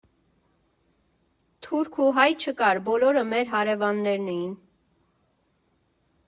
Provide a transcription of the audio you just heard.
Թուրք ու հայ չկար, բոլորը մեր հարևաններն էին։